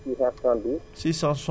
672